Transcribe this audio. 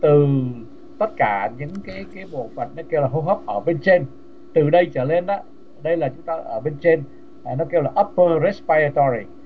từ tất cả những cái bộ phận nó kêu là hô hấp ở bên trên từ đây trở nên đây là chúng ta ở bên trên ắp pơ rét bai to ri